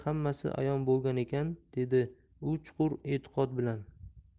hammasi ayon bo'lgan ekan dedi u chuqur etiqod bilan